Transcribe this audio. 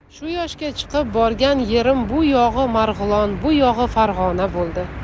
shu yoshga chiqib borgan yerim bu yog'i marg'ilon bu yog'i farg'ona bo'ldi